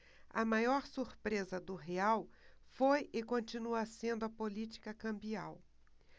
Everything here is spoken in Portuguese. a maior surpresa do real foi e continua sendo a política cambial